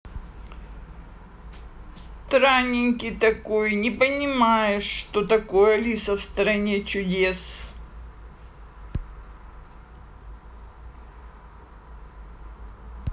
странненький ты такой не понимаешь что такое алиса в стране чудес